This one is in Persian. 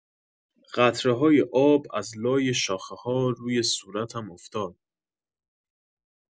قطره‌های آب از لای شاخه‌ها روی صورتم افتاد.